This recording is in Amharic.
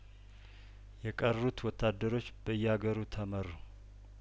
የቀሩት ወታደሮች በያገሩ ተመሩ